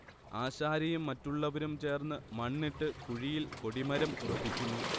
ആശാരിയും മറ്റുള്ളവരും ചേർന്ന് മണ്ണിട്ട് കുഴിയിൽ കൊടിമരം ഉറപ്പിക്കുന്നു